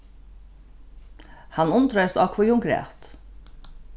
hann undraðist á hví hon græt